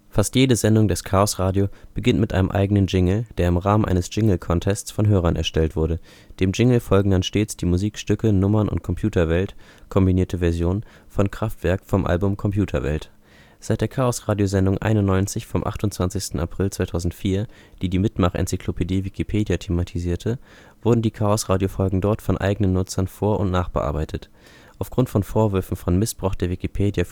Fast jede Sendung des Chaosradio beginnt mit einem eigenen Jingle, der im Rahmen eines Jingle-Contests von Hörern erstellt wurde. Dem Jingle folgen dann stets die Musikstücke Nummern und Computerwelt (kombinierte Version) von Kraftwerk vom Album Computerwelt. Seit der Chaosradio-Sendung 91 vom 28. April 2004, die die Mitmach-Enzyklopädie Wikipedia thematisierte, wurden die Chaosradio-Folgen dort von einigen Nutzern vor - und nachbereitet. Aufgrund von Vorwürfen von „ Missbrauch der Wikipedia